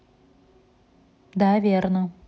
да верно